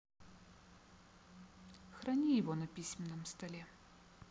храни его на письменном столе